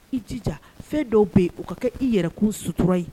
I jija fɛn dɔw bɛ yen o ka kɛ i yɛrɛkun sutura ye